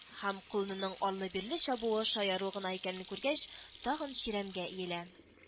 Һәм, колынның арлы-бирле чабуы шаяру гына икәнен күргәч, тагын чирәмгә иелә